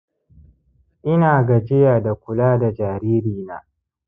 ina gajiya da kula da jariri na